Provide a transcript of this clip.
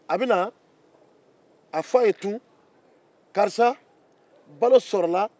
a bɛna a fɔ tun karisa balo sɔrɔla